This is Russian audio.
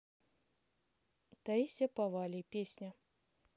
таисия повалий песня